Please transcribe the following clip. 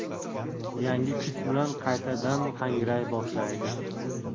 yangi kuch bilan qaytadan hangray boshlaydi